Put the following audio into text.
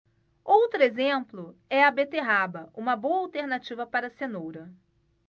outro exemplo é a beterraba uma boa alternativa para a cenoura